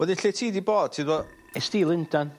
Wedyn lle ti 'di bod ti 'di bo' es ti i Lundan?